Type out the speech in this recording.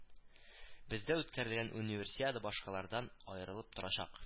Бездә үткәрелгән универсиада башкалардан аерылып торачак